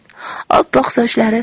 oppoq sochlari